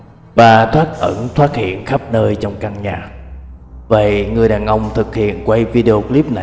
và thoắt ẩn thoắt hiện khắp nơi trong căn nhà vậy người đàn ông thực hiện quay video clip này